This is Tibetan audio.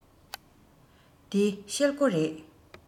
འདི ཤེལ སྒོ རེད